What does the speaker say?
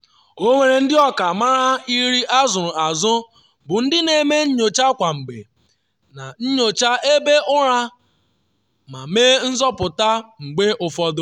Ọ nwere ndị ọkammara iri azụrụ azụ bụ ndị na-eme nyocha kwa mgbe, na-enyocha ebe ụra ma mee nzọpụta mgbe ụfọdụ.